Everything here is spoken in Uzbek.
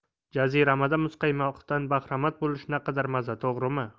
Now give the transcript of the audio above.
jaziramada muzqaymoqdan bahramand bo'lish naqadar maza to'g'rimi